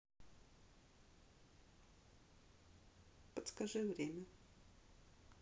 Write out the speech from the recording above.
подскажи время